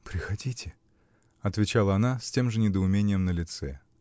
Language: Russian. -- Приходите, -- отвечала она с тем же недоумением на лице.